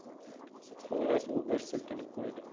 xullas u bir silkinib qo'ydi